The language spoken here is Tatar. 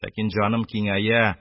Ләкин җаным киңәя,